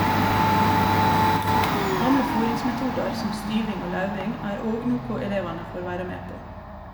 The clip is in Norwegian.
Gamle fôringsmetodar som styving og lauving er òg noko elevane får vere med på.